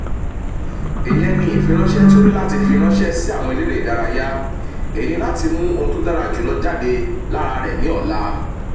Ìyẹn ní ìfiránṣẹ́ tí o níláti fi ránṣẹ́ sí àwọn elérée ìdárayá, èyí ní láti mú ohun tó dára jùlọ jáde lára rẹ ní ọ̀la.